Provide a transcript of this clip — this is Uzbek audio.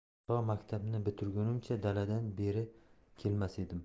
to maktabni bitirgunimcha daladan beri kelmas edim